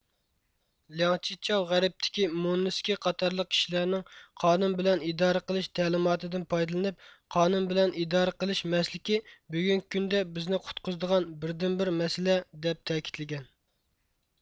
لياڭ چىچاۋ غەربتىكى موننېسكى قاتارلىق كىشىلەرنىڭ قانۇن بىلەن ئىدارە قىلىش تەلىماتىدىن پايدىلىنىپ قانۇن بىلەن ئىدارە قىلىش مەسلىكى بۈگۈنكى كۈندە بىزنى قۇتقۇزىدىغان بىردىنبىر مەسلە دەپ تەكىتلىگەن